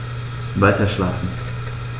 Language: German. Weiterschlafen.